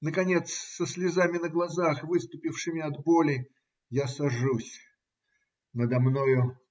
наконец со слезами на глазах, выступившими от боли, я сажусь. Надо мною